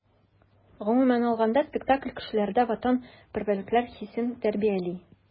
Гомумән алганда, спектакль кешеләрдә ватанпәрвәрлек хисен тәрбияли.